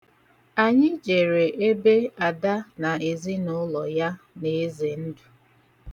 Anyị jere ebe Ada na ezinụlọ ya na-eze ndụ.